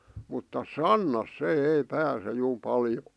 mutta sannassa se ei pääse juu paljon